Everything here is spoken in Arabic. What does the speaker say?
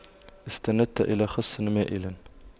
استندت إلى خصٍ مائلٍ